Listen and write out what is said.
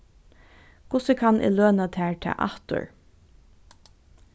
hvussu kann eg løna tær tað aftur